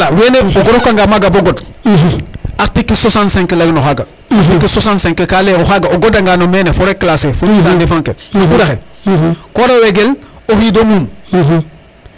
wene o rakanga maga bo god article soixante cinq leyu no xaga article soixante cinq ka leye o xaga o goda ngan mene foret classer fo mis en defend ke xa quraxe ko waro wegel o xiido muum